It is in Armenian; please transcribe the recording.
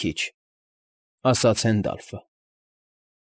Քիչ,֊ ասաց Հենդալֆը։